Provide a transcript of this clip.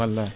wallahi